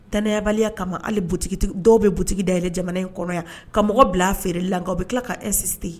Tɛnɛyabaliya kama dɔw bɛ butigi da yɛlɛɛlɛ jamana in kɔnɔya ka mɔgɔ bila feere la bɛ tila ka e sisitigi ye